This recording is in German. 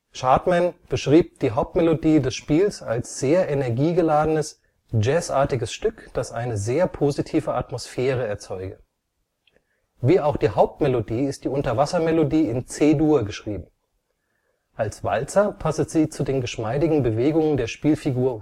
Schartmann beschrieb die Hauptmelodie des Spiels als sehr energiegeladenes, jazz-artiges Stück, das eine sehr positive Atmosphäre erzeuge. Wie auch die Hauptmelodie ist die Unterwasser-Melodie in C-Dur geschrieben. Als Walzer passe sie zu den geschmeidigen Bewegungen der Spielfigur